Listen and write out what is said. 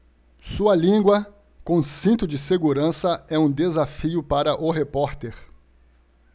sua língua com cinto de segurança é um desafio para o repórter